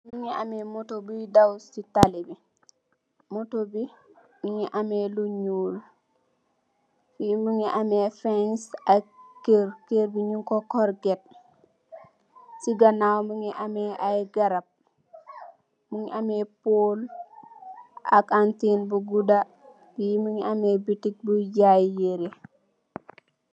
Mungi ame motor buye daw ci talibi, motor bi mungi ame lu ñuul.Fi mungi ame fence ak keur, keur bi nyung ku corget. Ci ganaw mungi ame ay garap, mungi ame pole ak anten bu gadah, fi mungi ame boutik buye jaye yereh